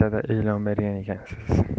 e'lon bergan ekansiz